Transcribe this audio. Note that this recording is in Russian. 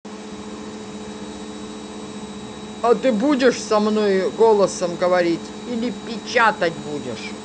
а ты будешь со мной голосом говорить или печатать будешь